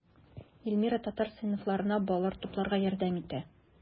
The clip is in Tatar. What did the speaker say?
Эльмира татар сыйныфларына балалар тупларга ярдәм итә.